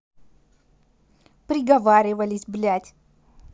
приговаривались блядь